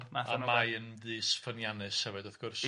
A ma'i yn ddynes ffyniannus hefyd wrth gwrs.